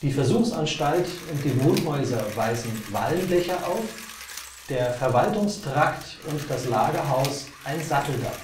Versuchsanstalt und die Wohnhäuser weisen Walmdächer auf, der Verwaltungstrakt und das Lagerhaus ein Satteldach